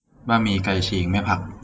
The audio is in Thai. บะหมี่ไก่ฉีกไม่ผัก